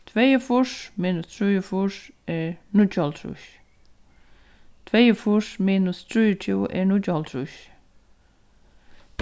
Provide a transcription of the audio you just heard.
tveyogfýrs minus trýogfýrs er níggjuoghálvtrýss tveyogfýrs minus trýogtjúgu er níggjuoghálvtrýss